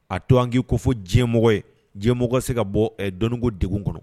A to an k'i ko fɔ diɲɛmɔgɔ ye, diɲɛmɔgɔ se ka bɔ dɔnniko degun kɔnɔ.